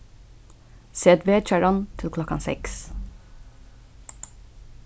set vekjaran til klokkan seks